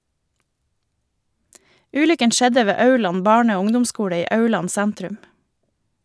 Ulykken skjedde ved Aurland barne- og ungdomsskole i Aurland sentrum.